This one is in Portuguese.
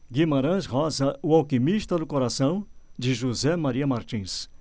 guimarães rosa o alquimista do coração de josé maria martins